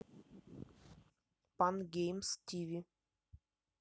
пан геймс тиви